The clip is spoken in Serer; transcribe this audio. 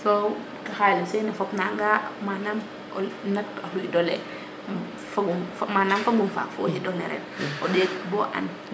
so xalis fene fop nanga nam o nat o xido le fagun manaam fagun faak fo o xoidole ren o ndet bo an